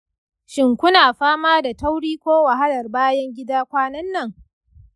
shin kuna fama da tauri ko wahalar bayan gida kwanan nan?